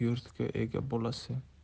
yurtga ega bolasi